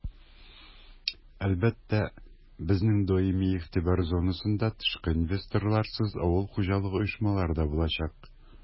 Әлбәттә, безнең даими игътибар зонасында тышкы инвесторларсыз авыл хуҗалыгы оешмалары да булачак.